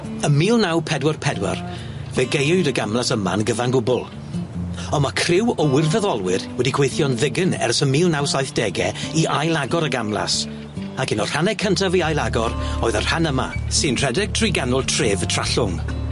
Ym mil naw pedwar pedwar fe gaewyd y gamlas yma'n gyfan gwbwl on' ma' criw o wirfyddolwyr wedi gweithio'n ddigyn ers y mil naw saithdege i ail-agor y gamlas, ac un o'r rhanne cyntaf i ail-agor oedd y rhan yma, sy'n rhedeg trwy ganol tref y Trallwng.